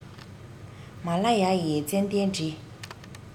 མ ལ ཡ ཡི ཙན དན དྲི